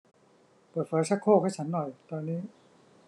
เปิดฝาชักโครกให้ฉันหน่อยตอนนี้